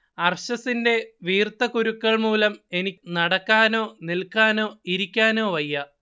അർശസിന്റെ വീർത്ത കുരുക്കൾ മൂലം എനിക്കു നടക്കാനോ നിൽക്കാനോ ഇരിക്കാനോ വയ്യ